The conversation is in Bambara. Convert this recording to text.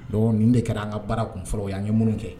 Dɔn nin de kɛra an ka baara kunfɔlɔ yanan ye mun kɛ